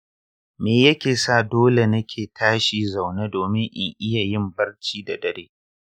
me yake sa dole nake tashi zaune domin in iya yin barci da dare?